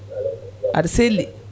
aɗa selli